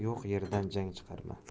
yo'q yerdan jang chiqarma